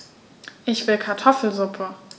Ich will Kartoffelsuppe.